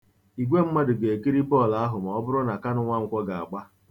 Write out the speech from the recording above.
Igwe mmadu ga-ekiri bọọlụ ahụ ma ọ bụrụ na Kanụ Nwankwọ ga-agba.